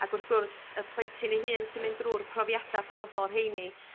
Ac wrth gwrs y plentyn ei hun sy'n mynd drw'r profiada' penodol rheiny.